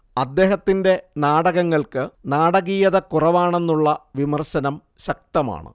അദ്ദേഹത്തിന്റെ നാടകങ്ങൾക്ക് നാടകീയത കുറവാണെന്നുള്ള വിമർശനം ശക്തമാണ്